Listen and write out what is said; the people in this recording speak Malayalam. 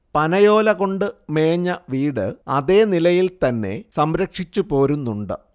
പനയോലകൊണ്ട് മേഞ്ഞ വീട് അതേ നിലയിൽ തന്നെ സംരക്ഷിച്ചുപോരുന്നുണ്ട്